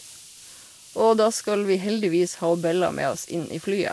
Og da skal vi heldigvis ha hun Bella med oss inn i flyet.